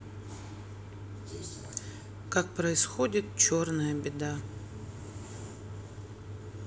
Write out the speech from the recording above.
как происходит черная беда